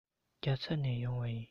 རྒྱ ཚ ནས ཡོང བ ཡིན